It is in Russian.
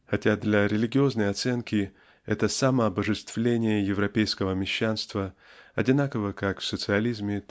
Хотя для религиозной оценки это самообожествление европейского мещанства -- одинаково как в социализме